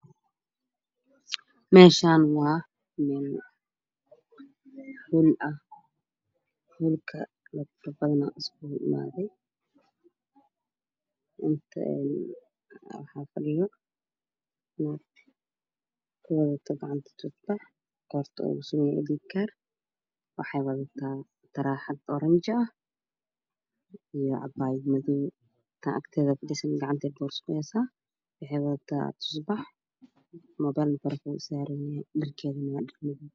Meeshan waa meel hool ah hoolka dad badanaa iskugu imaaday inta waxaa fa dhido naag gacanta kuwadato tusbax qoorta uu usuranyahay Aydhii kaar waxay wadataa taraxad oranji ah iyo cabaayad madoow tan agteeda fadhiso gacantay boorso ku haysaa waxay wadataa tusbax moobelna faraquu usaran yahay dharkeedana waa dharmadow ah